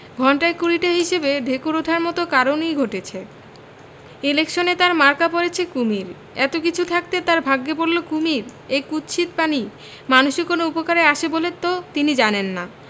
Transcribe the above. ঘণ্টায় কুড়িটা হিসেবে ঢেকুর ওঠার মত কারণ ঘটেছে ইলেকশনে তাঁর মার্কা পড়েছে কুমীর এত কিছু থাকতে তাঁর ভাগ্যে পড়ল কুমীর এই কুৎসিত প্রাণী মানুষের কোন উপকারে আসে বলে তো তিনি জানেন না